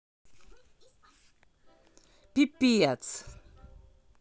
пипец